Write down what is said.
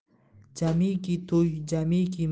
jamiki to'y jamiki